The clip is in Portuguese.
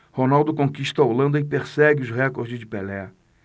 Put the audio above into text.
ronaldo conquista a holanda e persegue os recordes de pelé